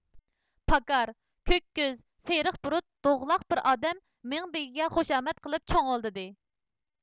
پاكار كۆك كۆز سېرىق بۇرۇت دوغىلاق بىر ئادەم مىڭبېگىگە خۇشامەت قىلىپ چۇڭۇلدىدى